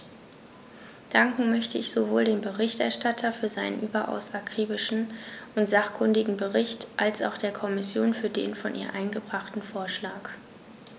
Danken möchte ich sowohl dem Berichterstatter für seinen überaus akribischen und sachkundigen Bericht als auch der Kommission für den von ihr eingebrachten Vorschlag.